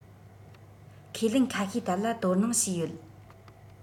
ཁས ལེན ཁ ཤས ཐད ལ དོ སྣང བྱས ཡོད